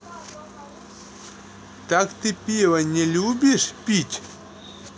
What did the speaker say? так ты пиво не любишь пить